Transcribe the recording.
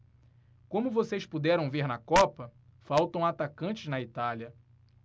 como vocês puderam ver na copa faltam atacantes na itália